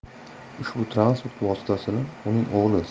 ushbu transport vositasini uning o'g'li